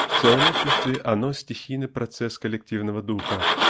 в целом обществе оно -- стихийный процесс коллективного духа